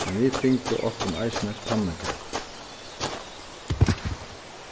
men vit fingu okkum eisini pannukakur